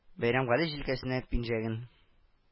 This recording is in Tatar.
Бәйрәмгали җилкәсенә пинжәген